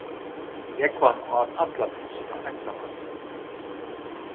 jógvan át alla pitsuna einsamallur